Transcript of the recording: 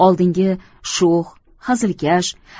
oldingi sho'x hazilkash